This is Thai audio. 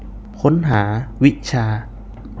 ค้นหาวิชา